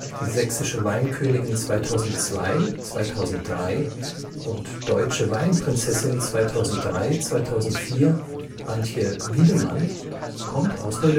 Die Sächsische Weinkönigin 2002/2003 und Deutsche Weinprinzessin 2003/2004, Antje Wiedemann, kommt aus der